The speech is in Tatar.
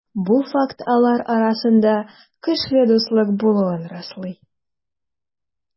Бу факт алар арасында көчле дуслык булуын раслый.